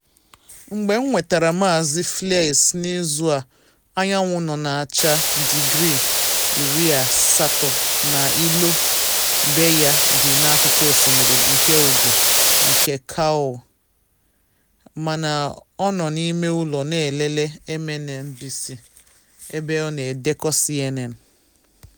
Mgbe m nwetara Maazị Fleiss n’izu a, anyanwụ nọ na acha digri 80 na ilo be ya dị n’akụkụ osimiri nke ugwu nke Kauai, mana ọ n’ime ụlọ na elele MSNBC ebe ọ na edekọ CNN.